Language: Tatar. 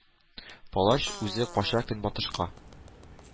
Палач үзе кача көнбатышка,